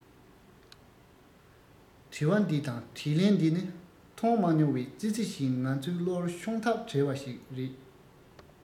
དྲི བ འདི དང དྲིས ལན འདི ནི མཐོང མ མྱོང བའི ཙི ཙི བཞིན ང ཚོའི བློར ཤོང ཐབས བྲལ བ ཞིག རེད